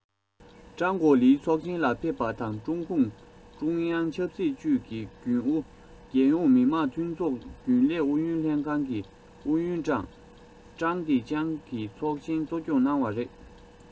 ཀྲང ཀའོ ལི ཚོགས ཆེན ལ ཕེབས པ དང ཀྲུང གུང ཀྲུང དབྱང ཆབ སྲིད ཅུས ཀྱི རྒྱུན ཨུ རྒྱལ ཡོངས མི དམངས འཐུས ཚོགས རྒྱུན ལས ཨུ ཡོན ལྷན ཁང གི ཨུ ཡོན ཀྲང ཀྲང ཏེ ཅང གིས ཚོགས ཆེན གཙོ སྐྱོང གནང བ རེད